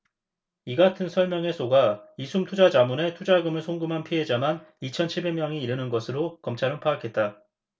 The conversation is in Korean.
이 같은 설명에 속아 이숨투자자문에 투자금을 송금한 피해자만 이천 칠백 명이 이르는 것으로 검찰은 파악했다